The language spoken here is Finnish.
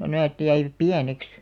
nämä jäivät pieneksi